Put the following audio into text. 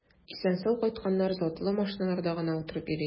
Исән-сау кайтканнар затлы машиналарда гына утырып йөри.